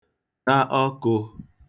da ọkụ̄